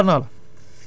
waa salaamaaleykum